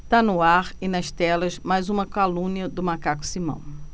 tá no ar e nas telas mais uma calúnia do macaco simão